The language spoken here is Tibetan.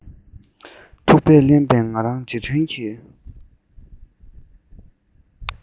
ཐུག པས བརླན པའི ང རང རྗེས དྲན གྱི